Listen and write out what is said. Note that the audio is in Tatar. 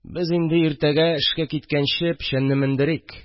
– без инде иртәгә эшкә киткәнче печәнне мендерик